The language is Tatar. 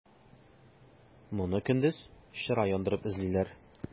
Моны көндез чыра яндырып эзлиләр.